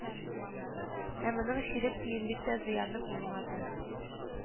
Ә моның чирек тиенлек тә зыяны булмады